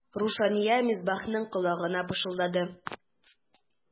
Рушания Мисбахның колагына пышылдады.